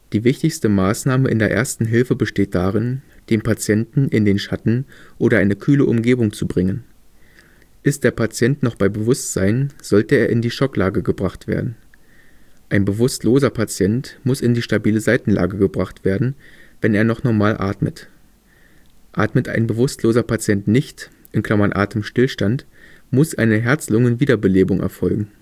Die wichtigste Maßnahme in der ersten Hilfe besteht darin, den Patienten in den Schatten oder eine kühle Umgebung zu bringen. Ist der Patient noch bei Bewusstsein, sollte er in die Schocklage gebracht werden. Ein bewusstloser Patient muss in die stabile Seitenlage gebracht werden, wenn er noch normal atmet. Atmet ein bewusstloser Patienten nicht (Atemstillstand), muss eine Herz-Lungen-Wiederbelebung erfolgen